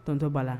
Tɔntɔ b'a la